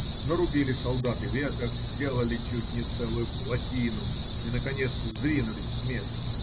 Нарубили солдаты веток, сделали чуть не целую плотину и наконец сдвинулись с места.